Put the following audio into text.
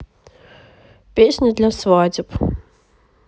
песни для свадеб